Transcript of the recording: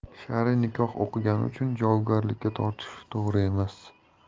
shar'iy nikoh o'qigani uchun javobgarlikka tortish to'g'ri emas